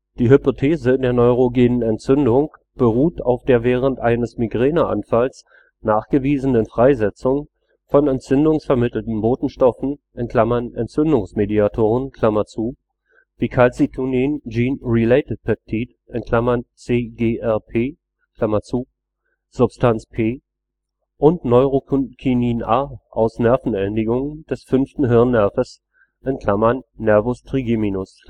Die Hypothese der neurogenen Entzündung beruht auf der während eines Migräneanfalls nachgewiesenen Freisetzung von entzündungsvermittelnden Botenstoffen (Entzündungsmediatoren) wie Calcitonin Gene-Related Peptide (CGRP), Substanz P und Neurokinin A aus Nervenendigungen des fünften Hirnnerves (Nervus trigeminus